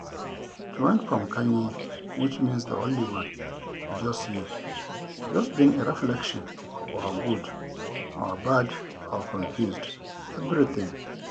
It went from Kanye, which means the only one, to just Ye - just being a reflection of our good, our bad, our confused, everything.